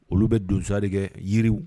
Olu bɛ donsosa de kɛ yiriw